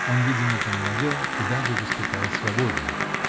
Он видимо помолодел и даже выступал свободнее.